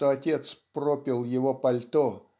что отец пропил его пальто